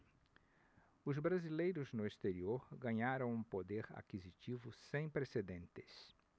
os brasileiros no exterior ganharam um poder aquisitivo sem precedentes